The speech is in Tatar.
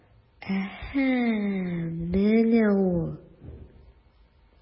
Әһә, менә ул...